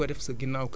du sonal nit